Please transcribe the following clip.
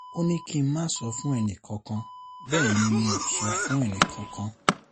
”Ó ní ki máa sọ fún ẹnìkankan, bẹ́ẹ̀ ni mo ‘ò sọ fún ẹnìkankan.”